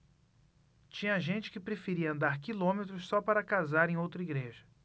tinha gente que preferia andar quilômetros só para casar em outra igreja